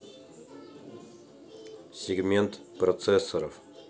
сегмент процессоров